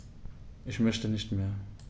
Ich möchte nicht mehr.